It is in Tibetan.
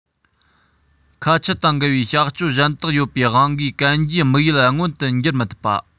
ཁ ཆད དང འགལ བའི བྱ སྤྱོད གཞན དག ཡོད པའི དབང གིས གན རྒྱའི དམིགས ཡུལ མངོན དུ འགྱུར མི ཐུབ པ